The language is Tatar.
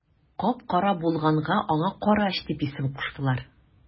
Кап-кара булганга аңа карач дип исем куштылар.